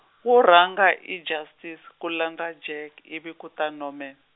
wo rhanga i Justice ku landza Jack ivi ku ta Norman.